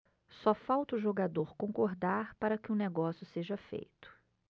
só falta o jogador concordar para que o negócio seja feito